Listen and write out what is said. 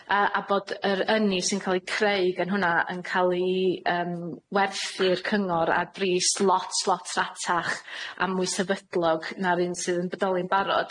A a bod yr ynni sy'n ca'l 'i creu gan hwnna yn ca'l 'i yym werthu i'r cyngor ar bris lot lot rhatach a mwy sefydlog na'r un sydd yn bodoli'n barod.